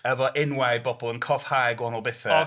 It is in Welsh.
Efo enwau bobl yn cofhau gwahanol bethau.